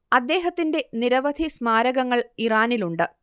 അദ്ദേഹത്തിന്റെ നിരവധി സ്മാരകങ്ങൾ ഇറാനിലുണ്ട്